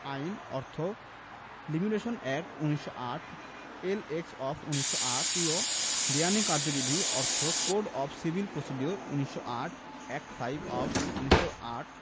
আইন অর্থ limitation act ১৯০৮ L X of ১৯০৮ ঙ দেওয়ানী কার্যবিধি অর্থ code of civil procedure ১৯০৮ act five of ১৯০৮